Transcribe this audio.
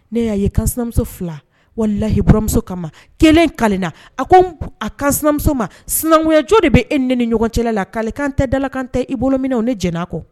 Ne y'a yemuso fila wala lahiburamuso kama kelen ka na a ko a kamuso ma sinankunkuya jo de bɛ e ni ni ɲɔgɔn cɛ la k'alekan tɛ dalalakan tɛ i bolo min o ne j a kɔ